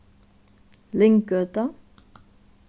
lynggøta